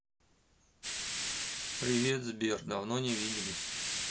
привет сбер давно не виделись